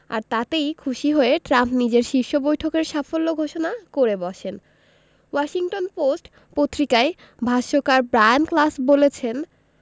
আর তাতেই খুশি হয়ে ট্রাম্প নিজের শীর্ষ বৈঠকের সাফল্য ঘোষণা করে বসেন ওয়াশিংটন পোস্ট পত্রিকার ভাষ্যকার ব্রায়ান ক্লাস বলেছেন